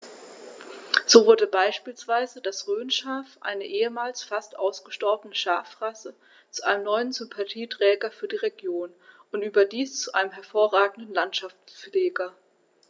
So wurde beispielsweise das Rhönschaf, eine ehemals fast ausgestorbene Schafrasse, zu einem neuen Sympathieträger für die Region – und überdies zu einem hervorragenden Landschaftspfleger.